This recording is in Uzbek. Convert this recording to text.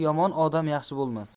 yomon odam yaxshi bo'lmas